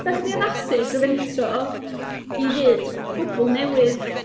Dach chi di addasu drwy fentro i fyd gwbl newydd.